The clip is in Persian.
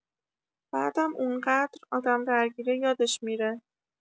بعدم اونقدر آدم درگیره، یادش می‌ره.